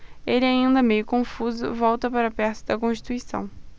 ele ainda meio confuso volta para perto de constituição